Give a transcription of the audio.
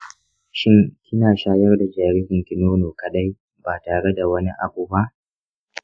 shin kina shayar da jaririnki nono kaɗai ba tare da wani abu ba?